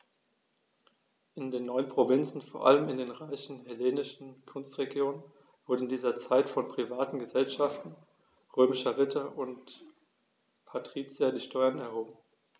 In den neuen Provinzen, vor allem in den reichen hellenistischen Küstenregionen, wurden in dieser Zeit von privaten „Gesellschaften“ römischer Ritter und Patrizier die Steuern erhoben.